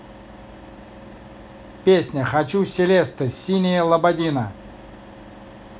песня хочу celeste синие лободина